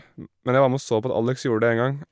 m Men jeg var med og så på at Alex gjorde det én gang.